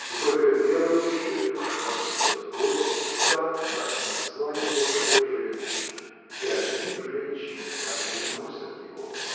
И только верующая душа несет горе так, как несла его эта женщина, — и одни женщины так выносят его!